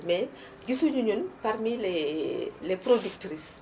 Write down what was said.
mais gisuñu ñun parmi les les productrices